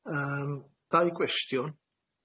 Yym dau gwestiwn.